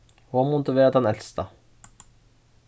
hon mundi vera tann elsta